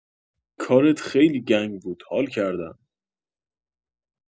کارت خیلی گنگ بود حال کردم